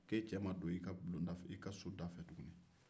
ko e cɛ ma don i ka bulon da i ka soda fɛ tuguni